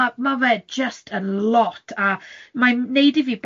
Ma' ma' ma' fe jyst yn lot, a mae'n 'neud i fi